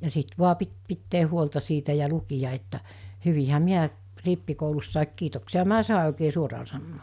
ja sitten vain piti pitää huolta siitä ja lukea että hyvinhän minä rippikoulussakin kiitoksiahan minä sain oikea suoraan sanoen